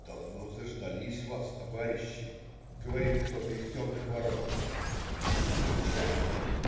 "Давно заждались вас, товарищи",- говорит кто-то из темных ворот. - Молчание.